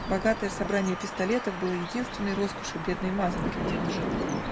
Богатое собрание пистолетов было единственной роскошью бедной мазанки, где он жил.